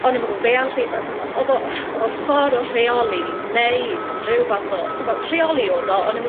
o'n i'm yn gwbo be' arall i o- o- odd o o'dd o'n ffordd o rheoli neu ryw fath wel rheoli odd o, o'n i'm yn